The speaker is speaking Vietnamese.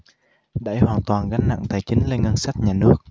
đẩy hoàn toàn gánh nặng tài chính lên ngân sách nhà nước